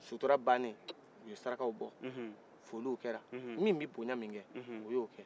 sutara bannen u ye sarakaw bɔ foliw kɛra min bɛ boya min kɛ o y'o kɛ